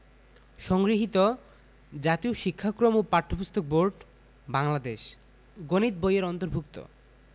সংগৃহীত জাতীয় শিক্ষাক্রম ও পাঠ্যপুস্তক বোর্ড বাংলাদেশ গণিত বই-এর অন্তর্ভুক্ত